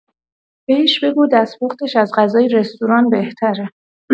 بهش بگو دست‌پختش از غذای رستوران بهتره.